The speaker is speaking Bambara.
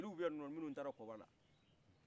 jeliw bɛ yan minnu taara kɔba la